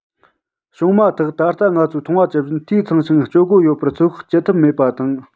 བྱུང མ ཐག ད ལྟ ང ཚོས མཐོང བ ཇི བཞིན འཐུས ཚང ཞིང སྤྱོད སྒོ ཡོད པར ཚོད དཔག བགྱི ཐབས མེད པ དང